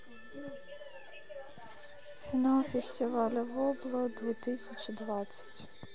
финал фестиваля вобла две тысячи двадцать